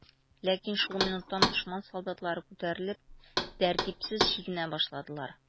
Ләкин шул минутта дошман солдатлары күтәрелеп, тәртипсез чигенә башладылар.